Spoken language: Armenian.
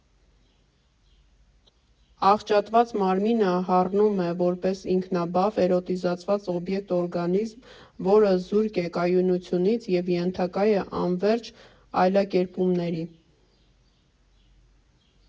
Աղճատված մարմինը հառնում է որպես ինքնաբավ, էրոտիզացված օբյեկտ֊օրգանիզմ, որը զուրկ է կայունությունից և ենթակա է անվերջ այլակերպումների։